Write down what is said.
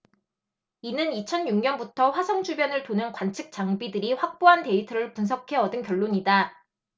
이는 이천 육 년부터 화성 주변을 도는 관측 장비들이 확보한 데이터를 분석해 얻은 결론이다